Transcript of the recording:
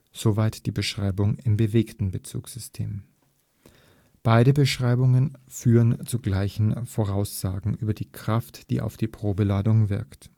Soweit die Beschreibung im bewegten Bezugssystem. Beide Beschreibungen führen zu gleichen Voraussagen über die Kraft, die auf die Probeladung wirkt